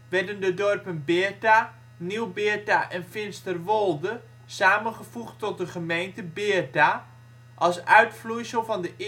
werden de dorpen Beerta, Nieuw-Beerta en Finsterwolde samengevoegd tot de gemeente Beerta, als uitvloeisel van de